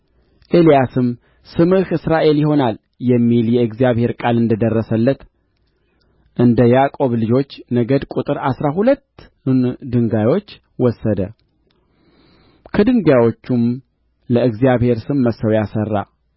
ኤልያስም ስምህ እስራኤል ይሆናል የሚል የእግዚአብሔር ቃል እንደ ደረሰለት እንደ ያዕቆብ ልጆች ነገድ ቍጥር አሥራ ሁለቱን ድንጋዮች ወሰደ ከድንጋዮችም ለእግዚአብሔር ስም መሠዊያ ሠራ